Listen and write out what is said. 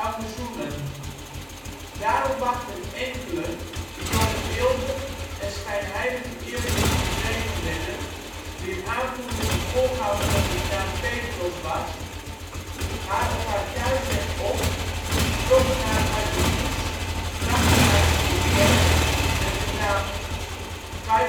verzoenen. Daarom wachtten enkelen, die door een wilde en schijnheilige eerzucht gedreven werden, wier aanvoerder een voorganger onder de naam Petros was, haar op haar thuisweg op, trokken haar uit de koets, brachten haar in de kerk met de naam Caesarion